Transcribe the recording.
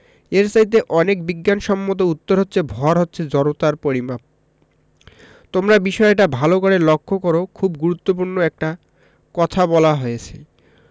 এর চাইতে অনেক বিজ্ঞানসম্মত উত্তর হচ্ছে ভর হচ্ছে জড়তার পরিমাপ তোমরা বিষয়টা ভালো করে লক্ষ করো খুব গুরুত্বপূর্ণ একটা কথা বলা হয়েছে